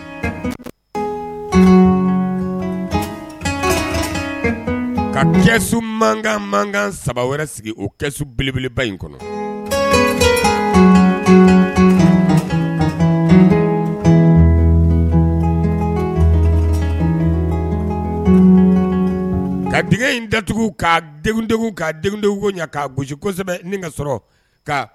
Ka kɛ mankan mankan saba wɛrɛ sigi o kɛsu belebeleba in kɔnɔ ka degegɛ in datugu ka ka denwdenw ɲɛ ka gosi kosɛbɛ ka sɔrɔ